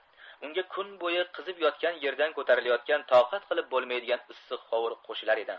unga kun bo'yi qizib yotgan yerdan ko'tarilayotgan toqat qilib bo'lmaydigan issiq hovur qo'shilar edi